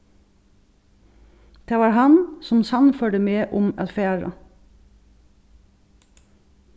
tað var hann sum sannførdi meg um at fara